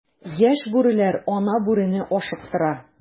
Яшь бүреләр ана бүрене ашыктыра.